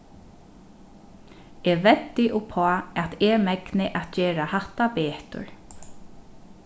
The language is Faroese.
eg veddi uppá at eg megni at gera hatta betur